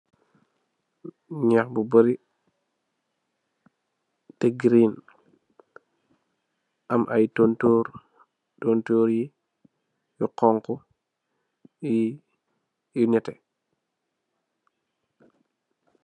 Naax bu bory teh girin am aye tonturr tonturr ye xonxo ye yu neteh.